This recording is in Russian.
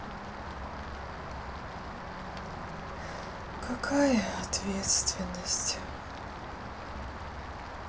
какая ответственность